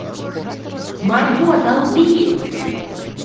марго долби